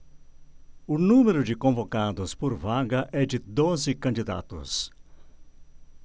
o número de convocados por vaga é de doze candidatos